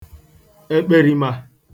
èkpèrìmà